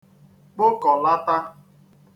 kpokọ̀lata